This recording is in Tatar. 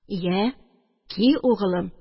Йә, ки, угылым